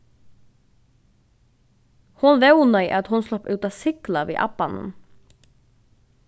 hon vónaði at hon slapp út at sigla við abbanum